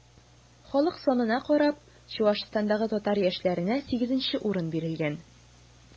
Халык санына карап, Чуашстандагы татар яшьләренә 8 урын бирелгән.